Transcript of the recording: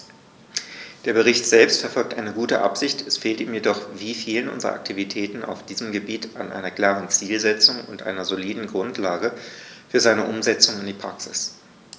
Der Bericht selbst verfolgt eine gute Absicht, es fehlt ihm jedoch wie vielen unserer Aktivitäten auf diesem Gebiet an einer klaren Zielsetzung und einer soliden Grundlage für seine Umsetzung in die Praxis.